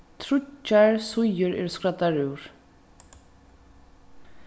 tríggjar síður eru skræddar úr